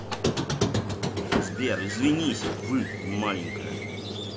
сбер извинись вы маленькая